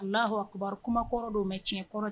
Lahwa kibaru kuma kɔrɔ dɔw mɛn tiɲɛɲɛ kɔnɔ